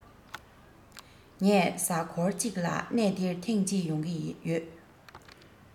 ངས གཟའ མཁོར ཅིག ལ གནས འདིར ཐེང ཅིག ཡོང གི ཡོད